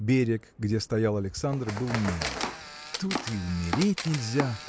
Берег, где стоял Александр, был мелок. – Тут и умереть нельзя!